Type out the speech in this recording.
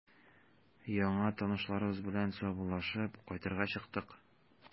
Яңа танышларыбыз белән саубуллашып, кайтырга чыктык.